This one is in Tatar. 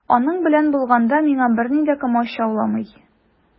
Аның белән булганда миңа берни дә комачауламый.